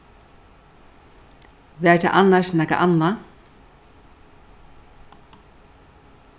var tað annars nakað annað